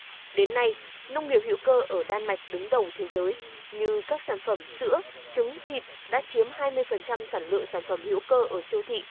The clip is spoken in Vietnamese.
đến nay nông nghiệp hữu cơ ở đan mạch đứng đầu thế giới như các sản phẩm sữa trứng thịt đã chiếm hai mươi phần trăm sản lượng sản phẩm hữu cơ ở siêu thị